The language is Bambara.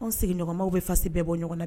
Anw sigiɲɔgɔnw bɛ fasi bɛɛ bɔ ɲɔgɔn na